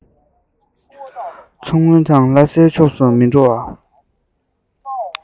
མཚོ སྔོན དང ལྷ སའི ཕྱོགས སུ མི འགྲོ བ